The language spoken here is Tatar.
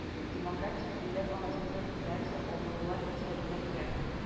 Демократик илләр арасында финляндия алдынгылар исәбенә керә